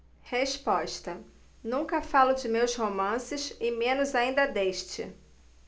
resposta nunca falo de meus romances e menos ainda deste